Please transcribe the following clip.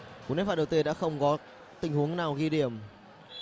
cú ném phạt đầu tiền đã không có tình huống nào ghi điểm